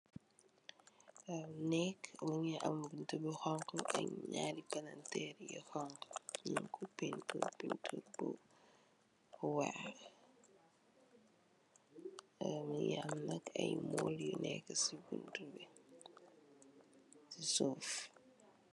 Neeg mogi am bunta bu xonxu ak naari palanterr bu xonxu nyu ko painturr painturr bu weex am nak ay mool yu neka si su buntu bi si suuf.